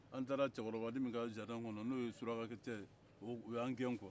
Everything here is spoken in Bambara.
an taara cɛkɔrɔbani min ka nakɔ kɔnɔ n'o ye surakakɛ ye o y'an gɛn